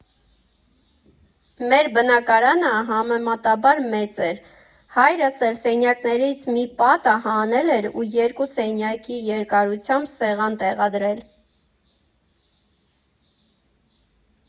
Մեր բնակարանը համեմատաբար մեծ էր, հայրս էլ սենյակներից մի պատը հանել էր ու երկու սենյակի երկարությամբ սեղան տեղադրել։